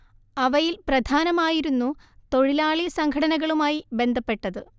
അവയിൽ പ്രധാനമായിരുന്നു തൊഴിലാളി സംഘടനകളുമായി ബന്ധപ്പെട്ടത്